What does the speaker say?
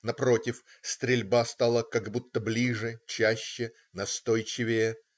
Напротив, стрельба стала как будто ближе, чаще, настойчивее.